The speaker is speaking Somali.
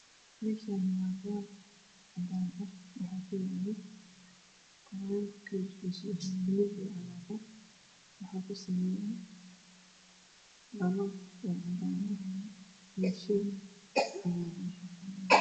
Meeshaan waa boor cadaan ah waxaa kuyaalo qoraal kalarkiisu waa madow iyo cagaar waxaa kusawiran dhalo cadaan ah iyo shay yar oo cagaar ah.